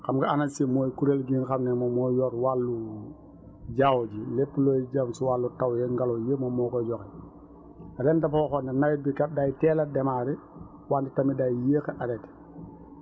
xam nga Anacim mooy kuréel bi nga xam ne moom moo yor wàllu jaww ji lépp luy jëm si wàllu taw yeeg ngelaw yi moom moo koy joxe ren dafa waxoon ne nawet bi kat day teel a demarré wante tamit day yéex a arrêté